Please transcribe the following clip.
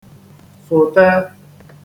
-fụ̀te